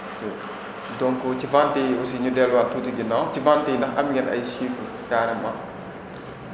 ok donc ci ventes yi aussi ñu delluwaat tuuti ginnaaw ci ventes yi ndax am ngeen ay chiffres carrément